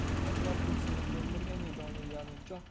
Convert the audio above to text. anvar ko'ksini to'ldirgan nidoni yalinchoq